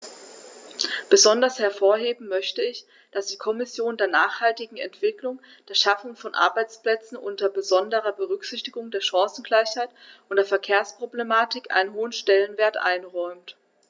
Besonders hervorheben möchte ich, dass die Kommission der nachhaltigen Entwicklung, der Schaffung von Arbeitsplätzen unter besonderer Berücksichtigung der Chancengleichheit und der Verkehrsproblematik einen hohen Stellenwert einräumt.